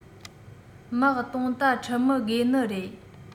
དམག སྟོང རྟ ཁྲི མི དགོས ནི རེད